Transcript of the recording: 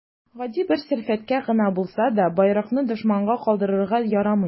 Гади бер салфетка гына булса да, байракны дошманга калдырырга ярамый.